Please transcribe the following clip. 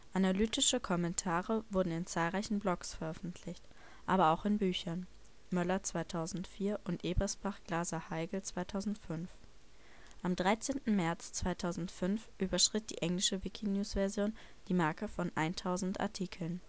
Analytische Kommentare wurden in zahlreichen Blogs veröffentlicht, aber auch in Büchern (Möller 2004 und Ebersbach, Glaser, Heigl 2005). Am 13. März 2005 überschritt die englische Wikinews-Version die Marke von 1.000 Artikeln